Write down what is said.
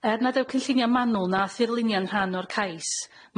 Er nad yw cynllunia manwl na thirlunia'n rhan o'r cais